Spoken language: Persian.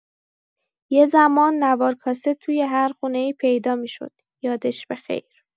یه زمان نوار کاست توی هر خونه‌ای پیدا می‌شد، یادش بخیر.